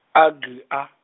A G A.